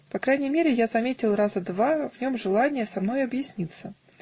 по крайней мере я заметил раза два в нем желание со мною объясниться